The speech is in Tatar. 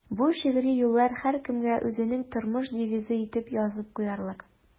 Бу шигъри юллар һәркемгә үзенең тормыш девизы итеп язып куярлык.